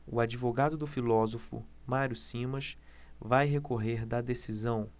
o advogado do filósofo mário simas vai recorrer da decisão